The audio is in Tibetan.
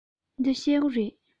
འདི ཤེལ སྒོ རེད